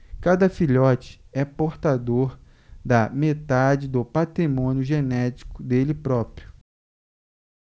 cada filhote é portador da metade do patrimônio genético dele próprio